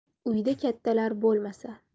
uyda kattalar bo'lmasa